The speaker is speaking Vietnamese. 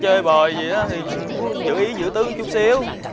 chơi bời gì ớ thì cũng giữ ý giữ tứ chút xíu